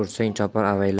ursang chopar avaylab